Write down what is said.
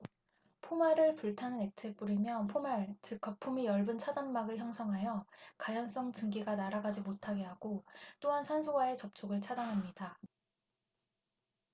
포말을 불타는 액체에 뿌리면 포말 즉 거품이 엷은 차단막을 형성하여 가연성 증기가 날아가지 못하게 하고 또한 산소와의 접촉을 차단합니다